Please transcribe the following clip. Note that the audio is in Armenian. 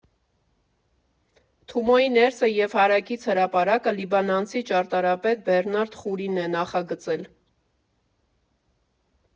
Թումոյի ներսը և հարակից հրապարակը լիբանանցի ճարտարապետ Բերնարդ Խուրին է նախագծել։